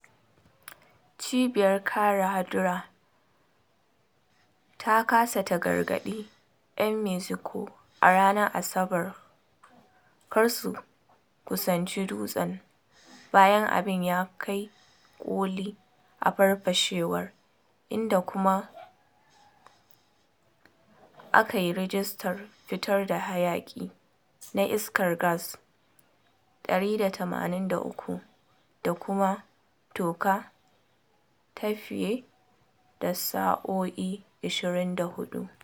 Cibiyar Kare Haɗura ta Ƙasa ta gargaɗi ‘yan Mexico a ranar Asabar kar su kusanci dutsen bayan abin ya kai ƙoli a farfashewar inda kuma a ka yi rijistar fitar da hayaƙi na iskar gas 183 da kuma toka ta fiye da sa’o’i 24.